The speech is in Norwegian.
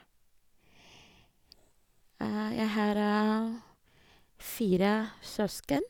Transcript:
Jeg har fire søsken.